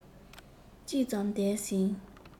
གཅིག ཙམ འདས ཟིན